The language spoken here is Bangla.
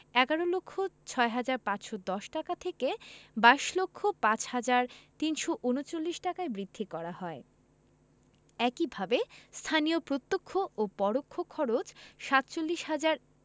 ১১ লক্ষ ৬ হাজার ৫১০ টাকা থেকে ২২ লক্ষ ৫ হাজার ৩৩৯ টাকায় বৃদ্ধি করা হয় একইভাবে স্থানীয় প্রত্যক্ষ ও পরোক্ষ খরচ ৪৭ হাজার